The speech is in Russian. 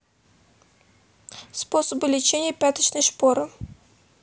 способы лечения пяточной шпоры